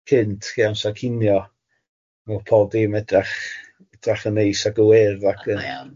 cynt lly amsar cinio fel pob dîm edach edrach yn neis ag yn wyrdd ac... A mae o'n